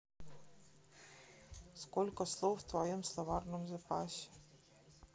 сколько слов в твоем словарном запасе